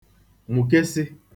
mụkesi